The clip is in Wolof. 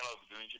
waaw